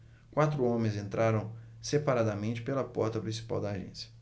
quatro homens entraram separadamente pela porta principal da agência